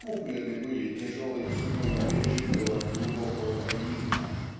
куплены были тяжелой ценою пережитого глубокого трагизма.